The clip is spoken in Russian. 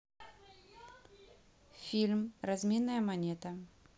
фильм разменная монета